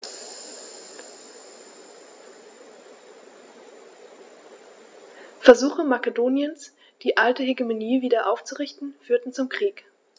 Versuche Makedoniens, die alte Hegemonie wieder aufzurichten, führten zum Krieg.